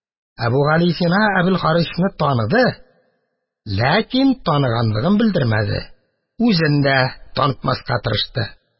Әбүгалисина Әбелхарисны таныды, ләкин таныганлыгын белдермәде, үзен дә танытмаска тырышты.